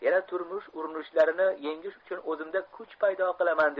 yana turmush urinishlarini yengish uchun o'zimda kuch paydo qilaman